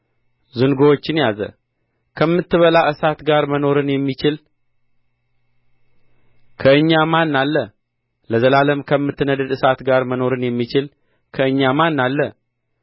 ዝንጉዎቹን ያዘ ከምትበላ እሳት ጋር መኖርን የሚችል ከእኛ ማን አለ ለዘላለምም ከምትነድድ እሳት ጋር መኖርን የሚችል ከእኛ ማን አለ